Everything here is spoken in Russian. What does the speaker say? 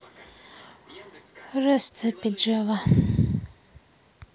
rest api java